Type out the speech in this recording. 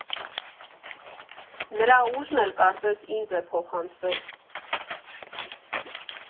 Նրա ուժն էլ կարծես ինձ է փոխանցվել։